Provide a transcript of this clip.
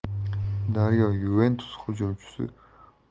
daryo yuventus hujumchisi parma